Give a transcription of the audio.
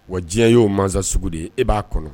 Wa diɲɛ y ye oo mansa sugu de ye e b'a kɔnɔ